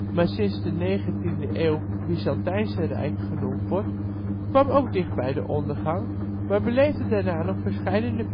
maar sinds de 19de eeuw Byzantijnse Rijk genoemd wordt) kwam ook dicht bij de ondergang, maar beleefde daarna nog verscheidene